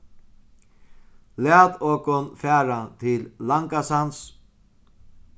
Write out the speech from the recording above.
lat okum fara til langasands